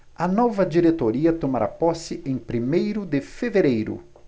a nova diretoria tomará posse em primeiro de fevereiro